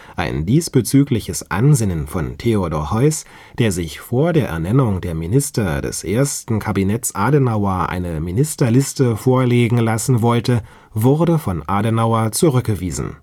Ein diesbezügliches Ansinnen von Theodor Heuss, der sich vor der Ernennung der Minister des ersten Kabinetts Adenauer eine Ministerliste vorlegen lassen wollte, wurde von Adenauer zurückgewiesen